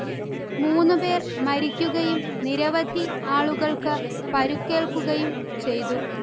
മൂന്നുപേർ മരിക്കുകയും നിരവധി ആളുകൾക്ക് പരുക്കേൽക്കുയും ചെയ്തു